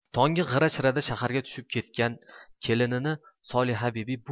tonggi g'ira shirada shaharga tushib ketgan kelinini solihabibi